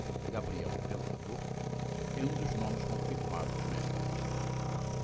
gabriel o pensador é um dos nomes confirmados nesta lista